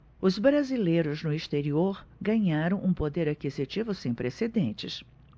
os brasileiros no exterior ganharam um poder aquisitivo sem precedentes